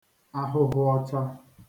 ahụhụ ọcha